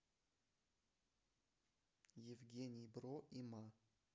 евгений бро и ма